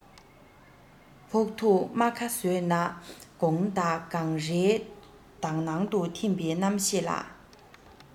ཕོག ཐུག རྨ ཁ བཟོས ན དགོངས དག གངས རིའི དག སྣང དུ ཐིམ པའི རྣམ ཤེས ལ